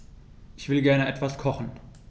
Ich will gerne etwas kochen.